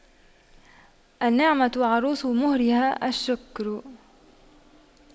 النعمة عروس مهرها الشكر